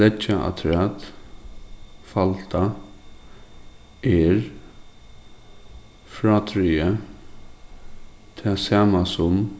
leggja afturat falda er frádrigið tað sama sum